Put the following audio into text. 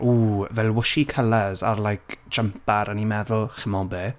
Ww, fel wooshy colours a'r like, jumper a o'n i'n meddwl, chimod be?